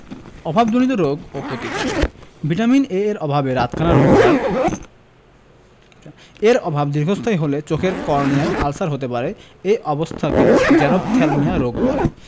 অভাবজনিত রোগ ও প্রতিকার ভিটামিন A এর অভাবে রাতকানা রোগ হয় এর অভাব দীর্ঘস্থায়ী হলে চোখের কর্নিয়ায় আলসার হতে পারে এ অবস্থাকে জেরপ্থ্যালমিয়া রোগ বলে